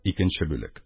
Икенче бүлек